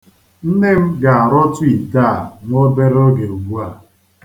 Nne m ga-arọtụ ite a nwa obere oge ugbua.